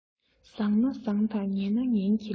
བཟང ན བཟང དང ངན ན ངན གྱིས ལན